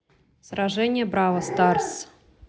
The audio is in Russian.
сражение браво старс